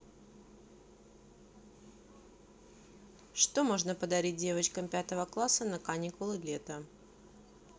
что можно подарить девочкам пятого класса на каникулы лето